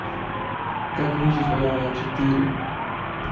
как выжить влада а четыре